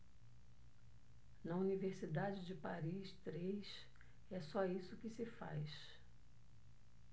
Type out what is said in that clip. na universidade de paris três é só isso que se faz